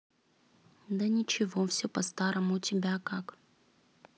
да ничего все по старому у тебя как